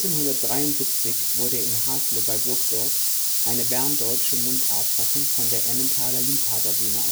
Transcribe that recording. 1973 wurde in Hasle bei Burgdorf eine berndeutsche Mundartfassung von der Emmentaler Liebhaberbühne